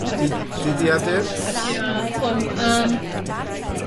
Dydd, dyddiadur? Ie, hwn yym.